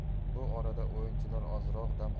bu orada o'yinchilar ozroq dam